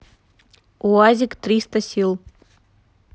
уазик триста сил